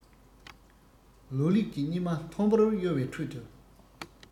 ལོ ལེགས ཀྱི སྙེ མ མཐོན པོར གཡོ བའི ཁྲོད དུ